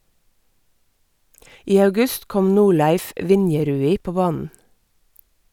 I august kom Norleiv Vinjerui på banen.